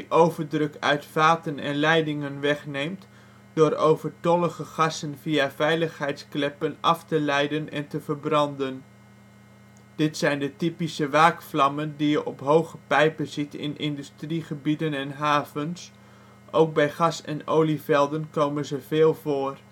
overdruk uit vaten en leidingen wegneemt door overtollige gassen via veiligheidskleppen af te leiden en te verbranden. Dit zijn de typische waakvlammen die je op hoge pijpen ziet in industriegebieden en havens, ook bij gas - en olievelden komen ze veel voor